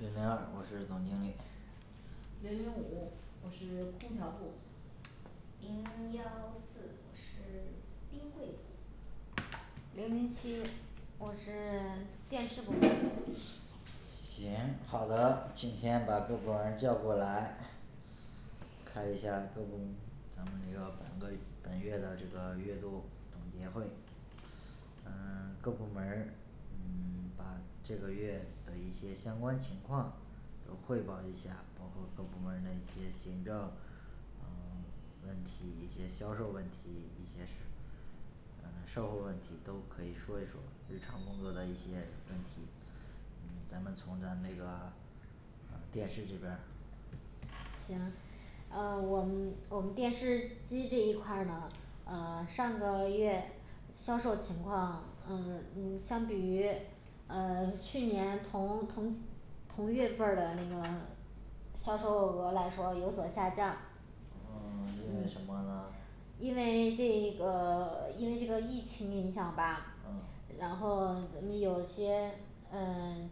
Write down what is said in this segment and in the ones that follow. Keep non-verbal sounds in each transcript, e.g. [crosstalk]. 零零二我是总经理零零五我是 [silence] 空调部零幺四我是 [silence] 冰柜部零零七我是 [silence] 电视公司行好的，今天把各部门儿叫过来，开一下各部门咱们这个本个本月的这个月度总结会，嗯各部门儿嗯把这个月的一些相关情况都汇报一下，包括各部门儿的一些行政呃问题，一些销售问题，一些呃售后问题都可以说一说日常工作的一些问题。嗯咱们从咱们这个从电视这边儿。行。呃我们我们电视机这一块儿呢呃上个月销售情况呃嗯相比于呃去年同同同月份儿的那个销售额来说有所下降，呃 [silence] 因为什么呢 ？因为这个 [silence] 因为这个疫情影响吧嗯然后那个有些嗯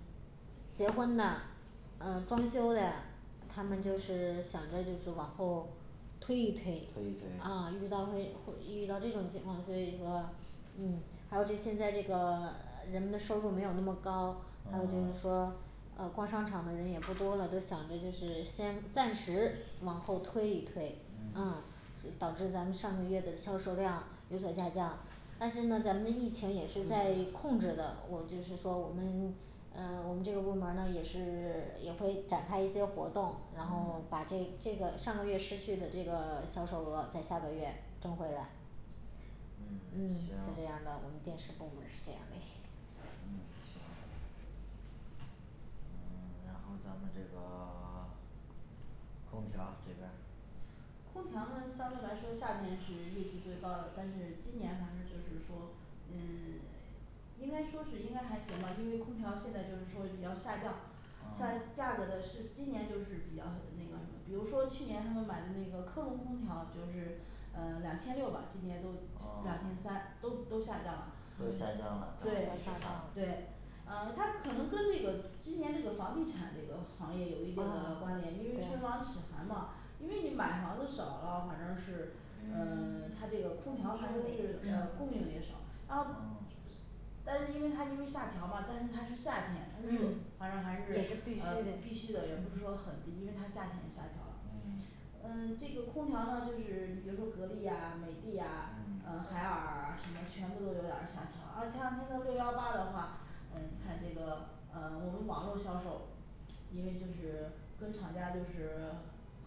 结婚的呃装修的，他们就是想着就是往后推一推推一推，啊遇到会会遇到这种情况，所以说嗯还有这现在这个人们的收入没有那么高，还有就嗯是说嗯逛商场的人也不多了，就想着就是先暂时往后推一推啊嗯，导致咱们上个月的销售量有所下降，但是呢咱们的疫情也是在控制的，我就是说我们呃我们这个部门呢也是 [silence] 也会展开一些活动嗯，然后把这这个上个月失去的这个销售额在下个月挣回来。嗯嗯，行是这样的，我们电视部门是这样的。嗯，行嗯 [silence] 然后咱们这个 [silence] 空调这边儿空调呢相对来说夏天是业绩最高的，但是今年反正就是说嗯 [silence] 应该说是应该还行吧，因为空调现在就是说比较下降，像嗯价格的是今年就是比较那个什么，比如说去年他们买的那个科隆空调就是，呃两千六吧今年都两千哦 [silence] 三都都下降了都下降了，咱们这市对下降场，了对呃他可能跟这个今年这个房地产这个行业有一定的啊关联，因为唇亡对齿寒嘛，因为你买房子少了，反正是嗯 [silence] 它这个空调它就是呃供应也少，然后嗯 [silence] 但是因为它因为下调嘛，但是它是夏天它热嗯反正还是也是呃必必须的须的，也不是说嗯很低，因为它价钱下调了嗯 [silence] 嗯这个空调呢就是你比如说格力啊、美的啊嗯、呃海尔啊什么全部都有点儿下调，而前两天到六幺八的话，呃你看这个呃我们网络销售因为就是跟厂家就是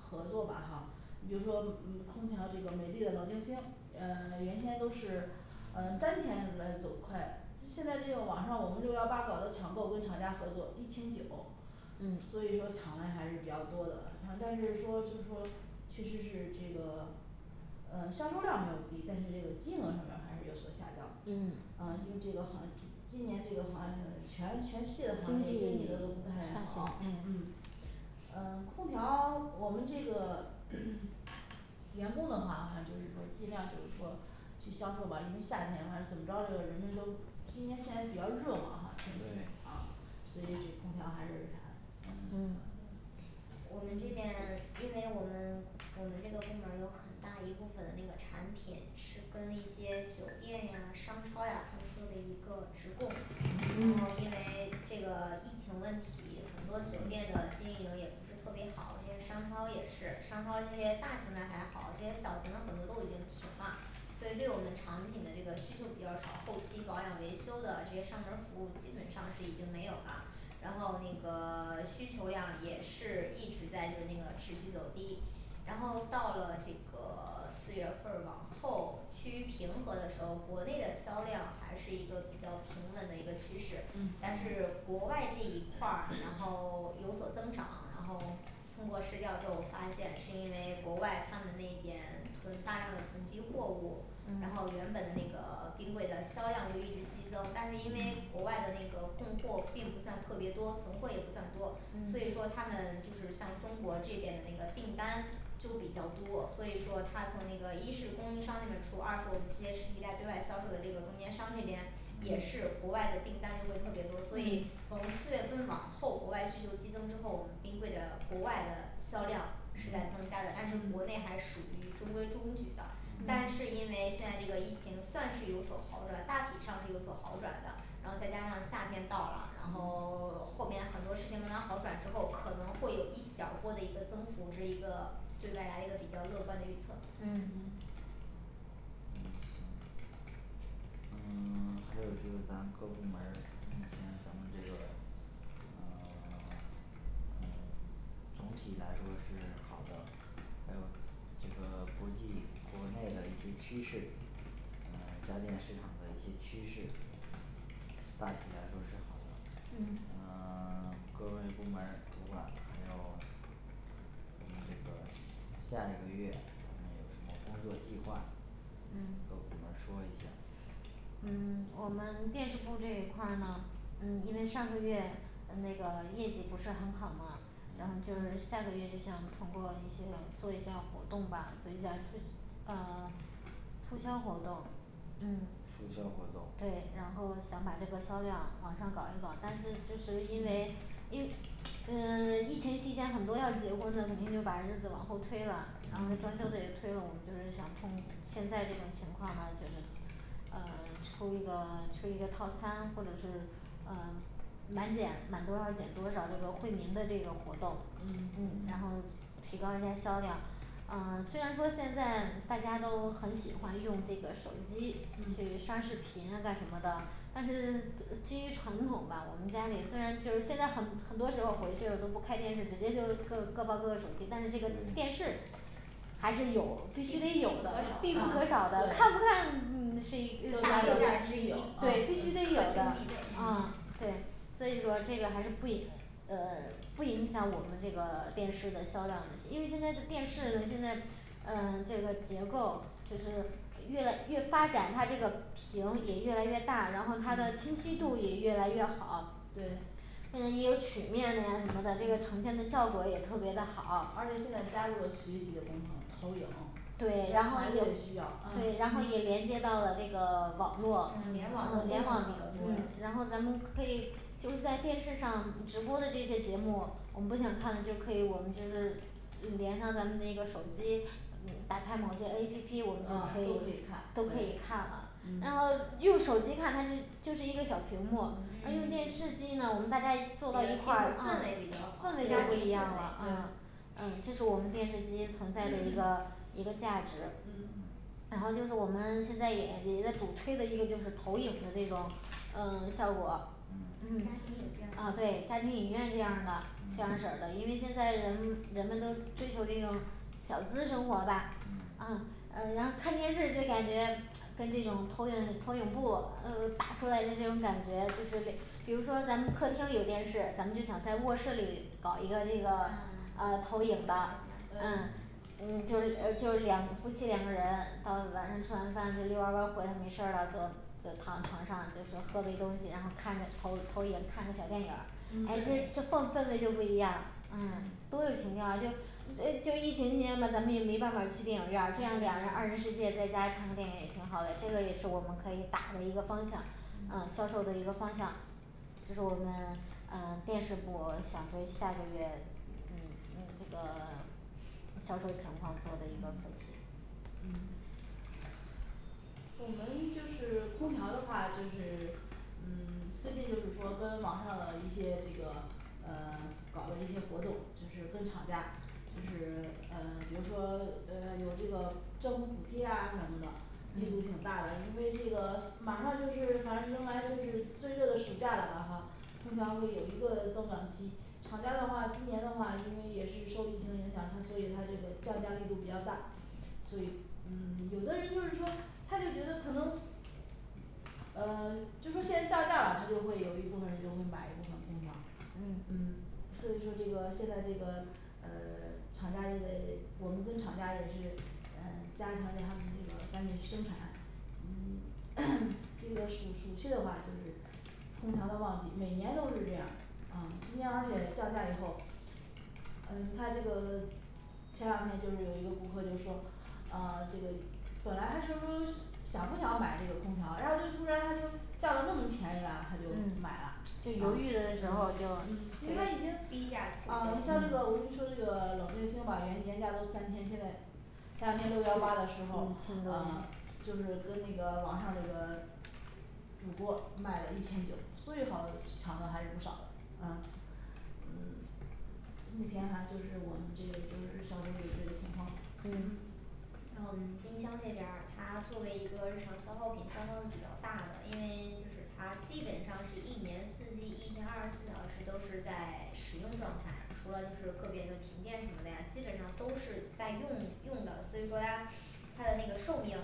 合作吧哈，你比如说嗯空调这个美的的冷静星呃 [silence] 原先都是呃嗯三千来走块，就现在这个网上我们六幺八搞的抢购，跟厂家合作一千九嗯所以说抢嘞还是比较多的，呃但是说就是说确实是这个呃销售量没有低，但是这个金额上面儿还是有所下降的。嗯啊因为这个行情今年这个行全全世界的行经业经济济都都不不太太好好，嗯嗯呃空调，我们这个 [crosstalk] 员工的话哈就是说尽量就是说去销售吧，因为夏天反正怎么着，这个人们都今年夏天比较热嘛哈天气对，啊所以这空调还是啥的。嗯嗯我们这边嗯因为我们我们这个部门儿有很大一部分那个产品是跟那些酒店呀商超呀他们做的一个直供，然后因为这个疫情问题，很多酒店的经营也不是特别好，这些商超也是商超这些大型的还好，这些小型的很多都已经停啦所以对我们产品的这个需求比较少，后期保养维修的这些上门儿服务基本上是已经没有啦然后那个 [silence] 需求量也是一直在那那个持续走低，然后到了这个四月份儿往后趋于平和的时候，国内的销量还是一个比较平稳的一个趋势。但嗯是国外这一块儿然后有所增长，然后通过市调之后发现是因为国外他们那边很大量的囤积货物，然后嗯原本的那个冰柜的销量就一直激增，但是因为国嗯外的那个供货并不算特别多，存货也不算多所以嗯说他们就是像中国这边的那个订单就比较多，所以说他从那个一是供应商那边儿出，二是我们这些实体贷对外销售的这个中间商这边也是嗯国外的订单流回特别多，所以从四月份往后国外需求激增之后，我们冰柜的国外的销量是在增嗯加的，但是嗯国内还属于中规中矩的，但是因为现在这个疫情算是有所好转，大体上是有所好转的。然后再加上夏天到了，然后 [silence] 后面很多事情慢慢好转之后，可能会有一小波的一个增幅，这是一个对未来的一个比较乐观的预测嗯嗯嗯行嗯 [silence] 还有就是咱各部门儿，目前咱们这个呃 [silence] 嗯总体来说是好的。还有这个国际国内的一些趋势，嗯家电市场的一些趋势，大体来说是好的。嗯呃 [silence] 各位部门儿主管，还有我们这个下一个月有什么工作计划？跟嗯我们来说一下。嗯我们电视部这一块儿呢，嗯因为上个月呃那个业绩不是很好嘛，然后就是下个月就想通过一些做一下活动吧做一下推呃促销活动。嗯促销活动对，然后想把这个销量往上搞一搞，但是就是因为因为呃疫情期间很多要结婚的，肯定就把日子往后推了，然后那装修的也推了，我们就是想通现在这种情况呢就是。呃出一个出一个套餐，或者是呃满减满多少减多少这个惠民的这个活动，嗯嗯然后提高一下销量。 嗯呃虽然说现在大家都很喜欢用这个手机去嗯刷视频啊干什么的，但是基于传统吧，我们家里虽然就是现在很很多时候回去了都不开电视，直接就各各抱各的手机，但是这个电嗯视还是有必须得有的啊必必不不可少的可少的，看不对看嗯都家里都必是一大个件儿是之一须一有种客对必厅嗯须必得备有的，啊对，所以说这个还是不影呃不影响我们这个电视的销量的，因为现在的电视现在呃这个结构就是越来越发展，它这个屏也越来越大，然后它的清嗯晰度也越来越好对现在也有曲面的呀什么的，这个呈现的效果也特别的好而且现在加入了学习的功能投影对，然然后后孩子也也需要嗯对，然后也连接到了这个网络，嗯嗯嗯联联网网络功嗯能比较多了嗯然后咱们可以就在电视上直播的这些节目，我们不想看了就可以我们就是嗯连上咱们那个手机打开某些A P P我们可以嗯都都可可以以看看，对了，嗯，然后用手机看它是就是一个小屏幕，呃用电视机呢我们大家坐到一块儿啊氛围比较好氛氛围围就不一样的嗯嗯这是我们电视机存在的一个一个价值嗯，然后就是我们现在也也在主推的一个就是投影的这种嗯效果，嗯家庭啊影院对家庭影院的这样儿的，这样式儿的因为现在人人们都追求这种小资生活吧嗯啊呃然后看电视就感觉跟这种投影投影布呃打出来的这种感觉，就是比如说咱们客厅有电视，咱们就想在卧室里搞一个这个呃投影的，嗯嗯就就是两夫妻两个人到晚上吃完饭就溜完弯儿回来没事了呃躺床上就是喝杯东西，然后看着投投影看个小电影儿，诶嗯这这凤氛围就不一样，嗯多有情调啊就嗯多有情调儿啊就呃就疫情期间吧咱们也没办法去电影院儿，这样两人二人世界在家看电影也挺好的，这个也是我们可以打的一个方向，啊销售的一个方向。这是我们呃电视部想对下个月嗯那个 [silence] 销售情况做的一个分析嗯嗯我们就是空调的话就是嗯 [silence] 最近就是说跟网上的一些这个呃搞的一些活动，就是跟厂家，就是呃比如说呃有这个政府补贴啊什么的，力度挺大的因为这个马上就是反正迎来就是最热的暑假了吧哈。空调会有一个增长期，厂家的话今年的话因为也是受疫情影响，他所以他这个降价力度比较大所以嗯有的人就是说他就觉得可能呃 [silence] 就说现在降价了，它就会有一部分人就会买一部分空调，嗯嗯，所以说这个现在这个呃 [silence] 厂家也得我们跟厂家也是呃加强对他们这个管理生产嗯 [crosstalk] 这个暑暑期的话就是，空调都旺季，每年都是这样啊，今年而且降价以后，呃你看这个前两天就是有一个顾客就说，啊这个本来他就说想不想买这个空调，然后就突然它就降到那么便宜啦，他就嗯买啦啊嗯嗯因为他就犹豫的时候就已低经价促啊你销像这个我跟你说这个冷静星吧原原价都三千现在前两天六幺八的时候啊就是跟那个网上那个主播卖了一千九，最好抢的还是不少的。嗯嗯 [silence] 目前反正就是我们这个就是销售就是这个情况嗯嗯还有我们嗯冰箱这边儿它作为一个日常消耗品消耗是比较大的，因为就是它基本上是一年四季一天二十四小时都是在使用状态，除了就是个别的停电什么的呀基本上都是在用用的，所以说啊它的那个寿命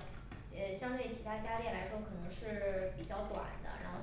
呃相对于其他家电来说可能是比较短的，然后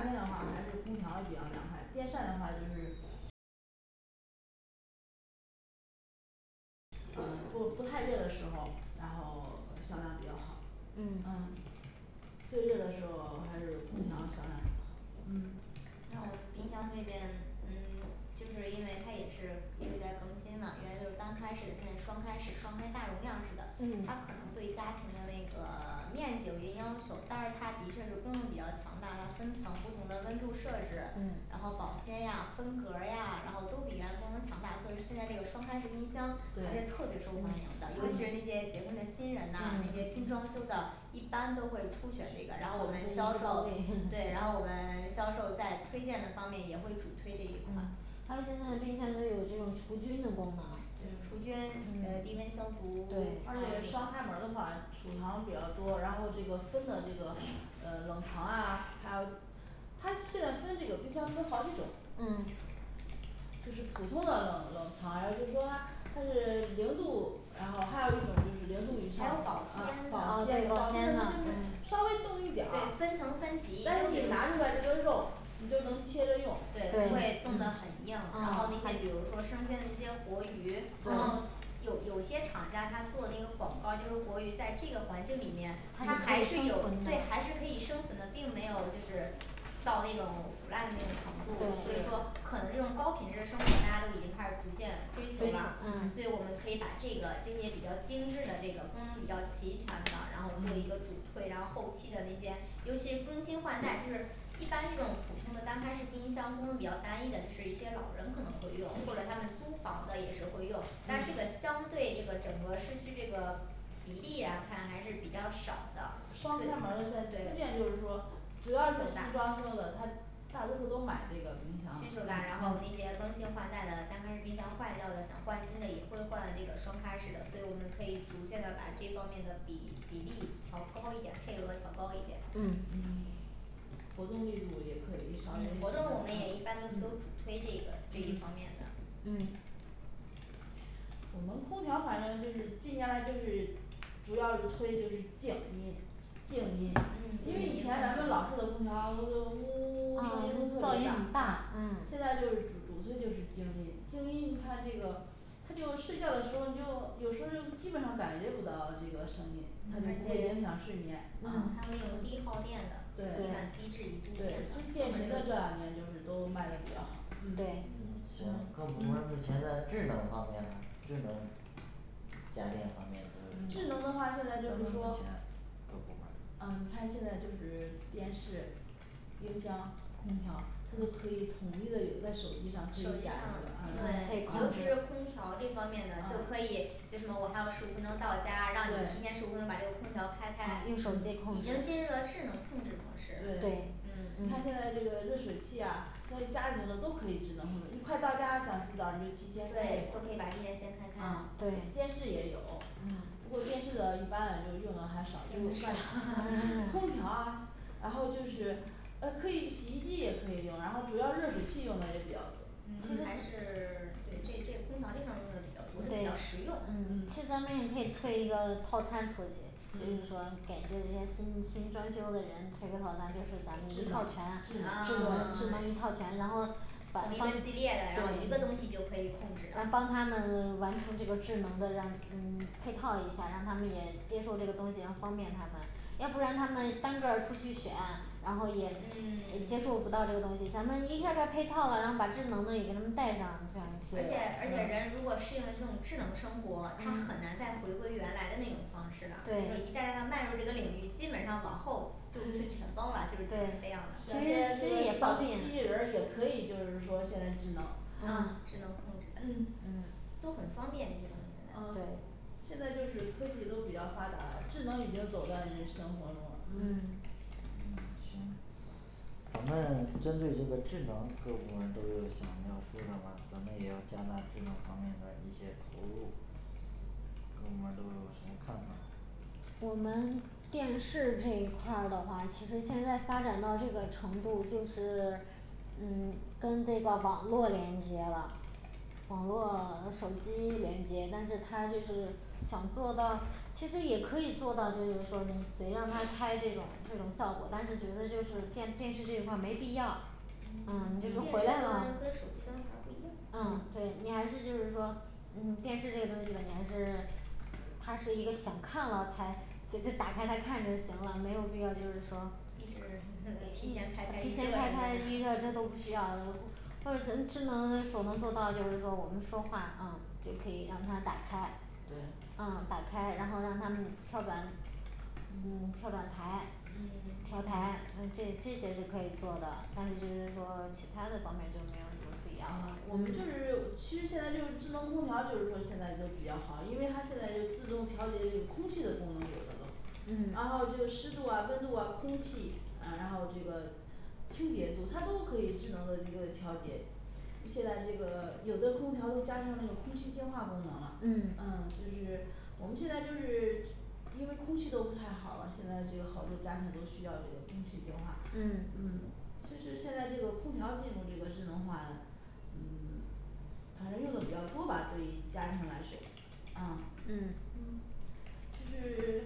夏天的话还是空调比较凉快，电扇的话就是呃不不太热的时候，然后销量比较好嗯嗯最热的时候还是空调销量好，嗯，那我们冰箱这边嗯 [silence] 就是因为它也是一直在更新嘛，原来就是单开式的现在双开式双开大容量式的，嗯它可能对家庭的那个 [silence] 面积有一定要求，但是它的确是功能比较强大，它分层不同的温度设置，然嗯后保鲜呀分格儿呀，然后都比原来功能强大，所以现在这个双开式冰箱它是对特别受欢迎的，尤其是嗯那些结婚的新人呐，那些嗯新装修的一般都会初选这个，然后我们销售对，然后我们销售在推荐的方面也会主推这一款，还有现在的冰箱都有这种除菌的功能，除菌对，低温嗯消毒，对而且双开门儿的话储藏比较多，然后这个分的这个呃冷藏啊，还有它现在分这个冰箱分好几种，嗯就是普通的冷冷藏，还有就是说它它是零度，然后还有一种就是零度以还上有呃保保保鲜的鲜的保鲜的，鲜的那就是稍微动一对点儿，但分层分级是你拿出来这个肉你就能切着用，嗯，对不会冻的很嗯硬，然后啊那些比如说生鲜那些活鱼然后对有有些厂家他做那个广告儿就是活鱼在这个环境里面它它是可还以是生有存的对还是可以生存的，并没有就是到那种腐烂的那种程对度，所以说对可能这种高品质的生活大家都已经开始逐渐追求追啦求，所以嗯我们可以把这个这些比较精致的这个功能比较齐全的，然后做一个嗯主推然后后期的那些尤其是更新换代。就是一般这种普通的单开式冰箱功能比较单一的就是一些老人可能会用，或者他们租房的也是会用，但是这个嗯相对这个整个市区这个比例啊看还是比较少的双开门对儿的现在逐对渐就是说主要是新装修的，他大多数都买这个冰箱，嗯需求大，然后嗯那，些更新换代的单开式冰箱坏掉的，想换新的也会换这个双开式的，所以我们可以逐渐的把这方面的比比例调高一点儿，配额调高一点，嗯嗯活动力度也可以稍微什嗯么活动我们也一般都是都嗯主推这个这一方嗯面的。嗯我们空调反正就是近年来就是主要是推就是静音静音，因嗯为以前咱们老式的空调那个呜呜呜啊声音，都噪特音别很大大嗯，，现在就是主主推就是静音，静音你看这个他就睡觉的时候，你就有时候就基本上感觉不到这个声音，它嗯就不，会影而响且睡眠，啊嗯，还有那种低耗电的一对，晚低至一度对电的就变频的这两年就是都卖得比较好，嗯对嗯行，各部门儿目前在智能方面的，智能。家电方面就智是能的话现咱们在就目是说前，各部门儿呃你看现在就是电视，冰箱、空调它都可以统一的，有在手机上可手机以假这上，对，个，啊尤其啊是空调这方面的就可啊以，就什么我还有十五分钟到家，让你提对前十五分钟把这个空调开开，已用手机控制经，进入了智能控制模式。嗯对对你嗯看现在这个热水器呀家庭的都可以智能控制，你快到家了想洗澡儿你就提前说一对，都可以把这声些先开啊开电视也有，不过电视的一般嘞就用的还少，就电视干 [noise] 空调啊然后就是呃可以洗衣机也可以用，然后主要热水器用的也比较多，嗯，还嗯是 [silence] 对这这空调这方面用的比较多比较实用嗯这嗯方面你可以推一个套餐出去就是说嗯给人家人家新新装修的人推的套餐就是智能咱一套全啊啊智智能对能 [silence] 一套全，然后把同一个系它列的，然后一对个东西就可以控制啦帮他们 [silence] 完成这个智能的让嗯配套一下儿，让他们也接受这个东西，然后方便他们，要不然他们单个儿出去选然后也嗯接 [silence] 触不到这个东西，咱们一下儿给他配套了，然后把智能的也给他们带上这样也而且挺而且人如果适应了这种智能生活，他很难再回归原来的那种方式了，所以说一旦对让他迈入这个领域，基本上往后就全包了，就是这对样的其实现在这其实个也扫地机器人儿也可以，就是说现在智能啊智能控制的嗯嗯都很方便，这些东西现在对啊现在就是科技都比较发达了，智能已经走在人生活中了嗯嗯嗯，行，咱们针对这个智能各部门儿都有想要说的吗？咱们也要加大这个方面的一些投入。各部门儿都有什么看法？我们电视这一块儿的话，其实现在发展到这个程度，就是 [silence] 嗯跟这个网络连接了，网络 [silence] 手机连接，但是它就是想做到，其实也可以做到，就是说什么谁让它开这种这种效果，但是觉得就是电电视这一块儿没必要，电视端跟手机端还啊你就说回来嗯了是不一样啊对，你还是就是说嗯电视这个东西你还是它是一个想看了才就就打开它看就行了，没有必要就是说一直提提前前开开开预热开预热这都不需要了，或者智能所能做到，就是说我们说话嗯就可以让它打开对啊打开然后让它们跳转嗯跳转台、调嗯台呃这这些是可以做的，但是就是说其他的方面就没有什么不一呃样我们就是其实现在就智能空调就是说现在就比较好，因为它现在就自动调节这个空气的功能有的都，嗯然后就湿度啊、温度啊、空气，呃然后这个清洁度它都可以智能的一个调节。现在这个有的空调都加上那个空气净化功能了，嗯嗯这是我们现在就是因为空气都不太好了，现在这个好多家庭都需要这个空气净化。嗯嗯，其实现在这个空调进入这个智能化的，嗯 [silence] 反正用得比较多吧，对于家庭来说，啊，嗯嗯就是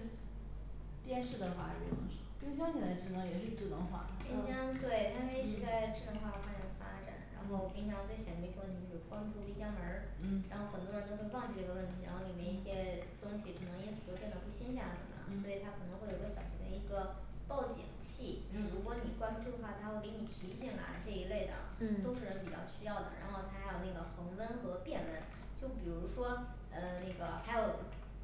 [silence] 电视的话用得少冰箱现在智能也是智能化的冰箱，对它现在一直在嗯智能化方向发展，然后嗯冰箱最想的一个问题是关不住冰箱门儿，嗯，然后很多人都会忘记这个问题，然后里面一嗯些东西可能因此就变得不新鲜了可能，所以嗯它可能会有一个小型的一个报警器，如嗯果你关不住话，它会给你提醒啊这一类的都是人比较需要的，然后它还有那个恒温和变温就比如说呃那个还有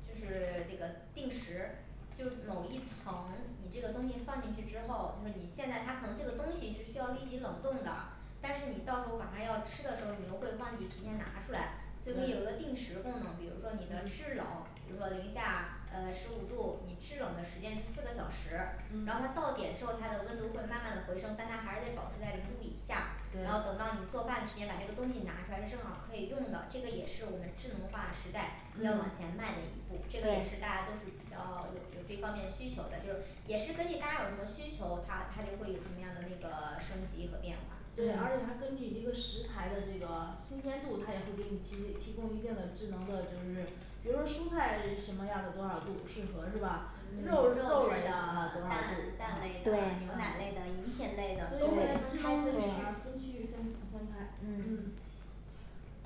就是这个定时就某一层你这个东西放进去之后，就是你现在它可能这个东西是需要立即冷冻的，但是你到时候晚上要吃的时候，你就会忘记提前拿出来，所以你有一个对定时功能，比如说你的嗯制冷比如说零下呃十五度，你制冷的时间是四个小时，然后它嗯到点之后它的温度会慢慢的回升，但它还是得保持在零度以下然后等对到你做饭时间把这个东西拿出来是正好可以用的，这个也是我们智能化时代嗯要往前迈的一步，这个也是大家都是比较有有这方面需求的，就也是根据大家有什么需求，它它就会有什么样的那个升级和变化，对，而且嗯还根据你这个食材的这个新鲜度，它也会给你提提供一定的智能的就是，比如说蔬菜什么样的多少度适合是吧？肉肉质肉类的呃多少度，啊，蛋蛋类的，牛奶类的，饮品所以现在智能类的，都会分区开分区分区分分开嗯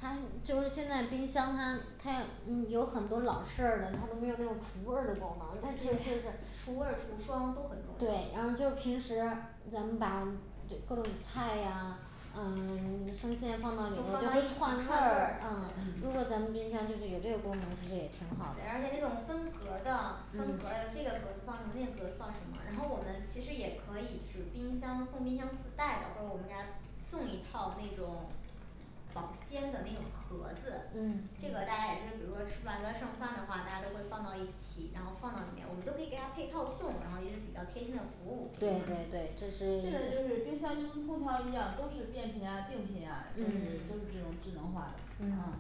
它就说现在冰箱它它嗯有很多老式儿的，它都没有那种橱柜儿的功能，但是就是橱柜儿橱窗都很重对，要然后就是平时咱们把就各种菜呀啊 [silence] 生鲜放到里放到一头，起串味啊儿，如嗯果对咱们这冰箱就是有这个功能其实也挺好的对而且这种分格儿的分格儿有这个格子放什么那个格子放什么，然后我们其实也可以就是冰箱送冰箱自带的，或者我们家送一套那种保鲜的那种盒子，这个大嗯家也是比如说吃完了剩饭的话，大家都会放到一起，然后放到里面我们都可以给他配套送，然后也是比较贴心的服务对对对，这是，现在就是冰箱就跟空调一样，都是变频啊定频啊，就是都是这种智能化的嗯啊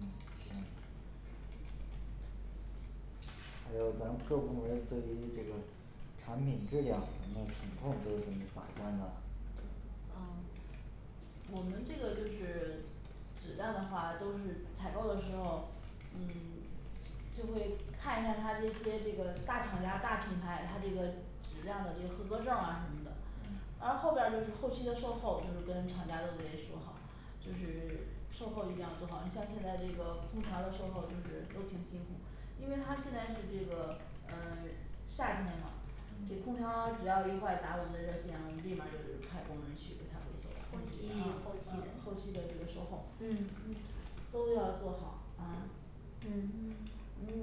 嗯，行还有咱们各部门儿对于这个产品质量，我们的情况都是怎么把关呢啊我们这个就是 [silence] 质量的话都是采购的时候嗯， [silence] 就会看一下它这些这个大厂家大品牌它这个质量的这个合格证儿啊什么的。然后后边儿就是后期的售后就是跟厂家都得 [silence] 说好就是售后一定要做好，你像现在这个空调的售后就是都挺辛苦，因为它现在是这个呃 [silence] 夏天嘛，这空调只要一坏打我们的热线，我们立马就派工人去给他维修，啊啊后期，，后后期期的的那个这个售后嗯嗯都要做好啊。嗯，嗯